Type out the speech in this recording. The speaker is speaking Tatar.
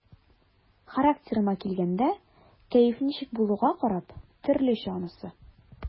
Характерыма килгәндә, кәеф ничек булуга карап, төрлечә анысы.